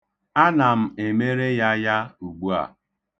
Ana m emere ya ya ugbua.